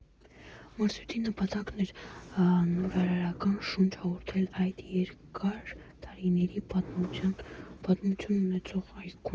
Մրցույթի նպատակն էր նորարարական շունչ հաղորդել այդ երկար տարիների պատմություն ունեցող այգուն։